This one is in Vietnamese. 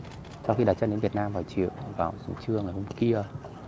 sau khi đặt chân đến việt nam vào chiều vào giữa trưa ngày hôm kia